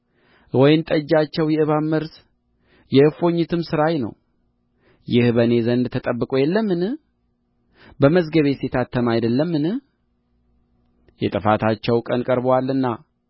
የወይን ጠጃቸው የእባብ መርዝ የእፉኝትም ሥራይ ነው ይህ በእኔ ዘንድ ተጠብቆ የለምን በመዝገቤስ የታተመ አይደለምን የጥፋታቸው ቀን ቀርቦአልና